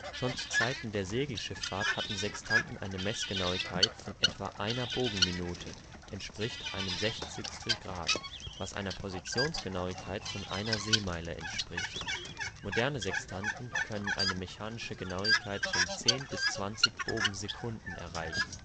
Schon zu Zeiten der Segelschifffahrt hatten Sextanten eine Messgenauigkeit von etwa einer Bogenminute (1/60 Grad), was einer Positionsgenauigkeit von einer Seemeile entspricht. Moderne Sextanten können eine mechanische Genauigkeit von 10-20 Bogensekunden erreichen